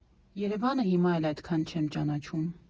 Երևանը հիմա էլ այդքան չեմ ճանաչում։